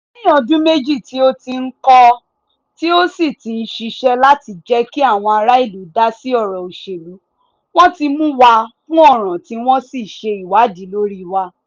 Lẹ́yìn ọdún méjì tí ó ti ń kọ tí ó sì ń ṣiṣẹ́ láti jẹ́ kí àwọn ará ìlú dá sí ọ̀rọ̀ òṣèlú, wọ́n ti mú wa fún ọ̀ràn tí wọ́n sì ṣe ìwádìí lórí wa.